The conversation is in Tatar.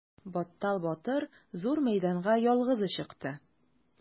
Баттал батыр зур мәйданга ялгызы чыкты.